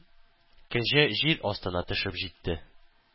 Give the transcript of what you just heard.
Кәҗә җир астына төшеп җитте